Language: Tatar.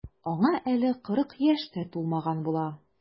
Аңа әле кырык яшь тә тулмаган була.